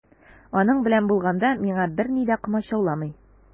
Аның белән булганда миңа берни дә комачауламый.